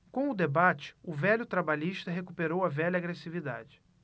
com o debate o velho trabalhista recuperou a velha agressividade